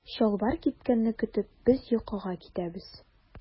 Чалбар кипкәнне көтеп без йокыга китәбез.